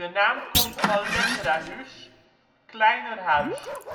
naam komt van lessra hûs, kleiner huis